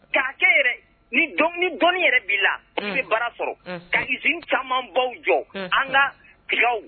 K' kɛ yɛrɛ ni dɔnni yɛrɛ bɛ la an bɛ bara sɔrɔ ka caman baw jɔ an ka kiw